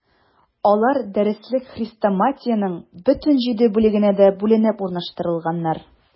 Алар дәреслек-хрестоматиянең бөтен җиде бүлегенә дә бүленеп урнаштырылганнар.